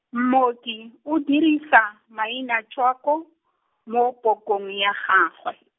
mmoki, o dirisa, mainatswako, mo pokong ya gagwe.